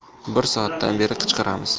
bir soatdan beri qichqiramiz